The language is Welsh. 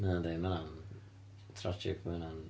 O yndi, ma' hwnna'n tragic, ma' hwnna'n...